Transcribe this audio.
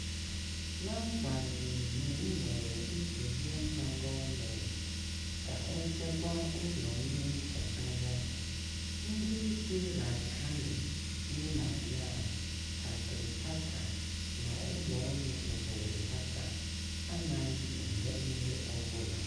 Na-agbanyeghị na e nwere ntụziaka gọọmentị ka e chekwaa ụlọ ihe nketa gasị, ndị isi Rajdhani Unnayan Kartripakkha na Ụlọọrụ Obodo Dhaka anaghị eme ihe ọ bụla.